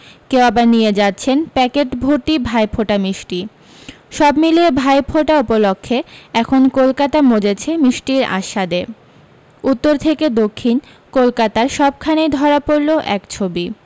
কেউ আবার নিয়ে যাচ্ছেন প্যাকেট ভর্তি ভাইফোঁটা মিষ্টি সবমিলিয়ে ভাইফোঁটা উপলক্ষে এখন কলকাতা মজেছে মিষ্টির আস্বাদে উত্তর থেকে দক্ষিণ কলকাতার সবখানেই ধরা পড়লো এক ছবি